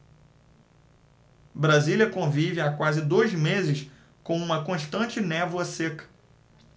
brasília convive há quase dois meses com uma constante névoa seca